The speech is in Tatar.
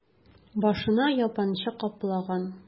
Башына япанча каплаган...